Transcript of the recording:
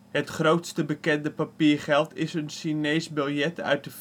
Het grootste bekende papiergeld is een Chinees biljet uit